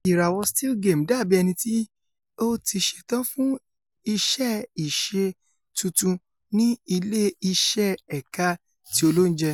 Ìràwọ Still Game dábì ẹniti óti ṣetán fún iṣẹ́-ìṣe tuntun ní ilé iṣẹ́ ẹka ti olóúnjẹ.